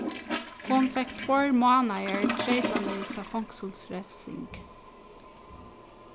hon fekk tveir mánaðar treytaleysa fongsulsrevsing